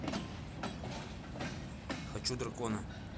хочу дракона